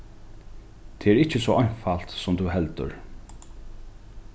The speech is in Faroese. tað er ikki so einfalt sum tú heldur